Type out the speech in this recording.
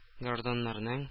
Гражданнарның